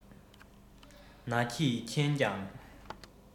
ན གྱིས མཁྱེན ཀྱང